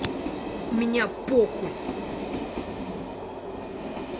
у меня похуй